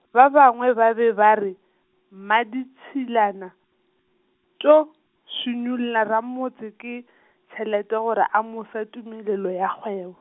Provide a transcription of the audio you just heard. ba bangwe ba be ba re, Mmaditšhilane, tšo šunyolla ramotse ke , tšhelete gore a mo fe tumelelo ya kgwebo.